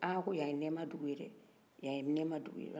ah ko yan ye nɛma dugu ye yan ye nnnema dugu ye